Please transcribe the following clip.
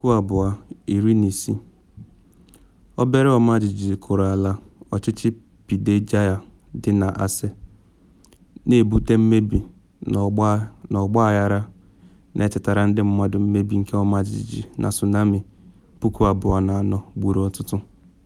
2016: Obere ọmajiji kụrụ ala ọchịchị Pidie Jaya dị na Aceh, na ebute mmebi na ọgbaghara na echetere ndị mmadụ mmebi nke ọmajiji na tsunami 2004 gburu ọtụtụ.